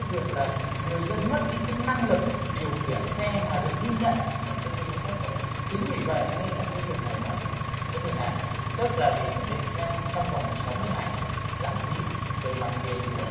việc là người dân mất đi tính năng lực điều khiển xe mà được ghi nhận ở trên cái giấy phép để chính vì vậy nên là cái việc này nó sẽ cái việc này tức là gì thẩm định xem trong vòng sáu mươi ngày lãng phí về mặt tiền của